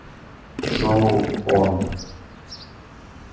шоу он